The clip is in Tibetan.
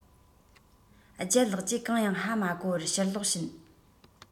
ལྗད ལགས ཀྱིས གང ཡང ཧ མ གོ བར ཕྱིར ལོག ཕྱིན